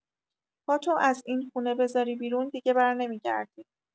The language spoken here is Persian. پاتو از این خونه بزاری بیرون دیگه برنمی‌گردی.